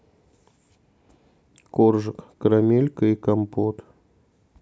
коржик карамелька и компот